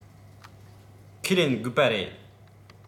ཁས ལེན འགོས པ རེད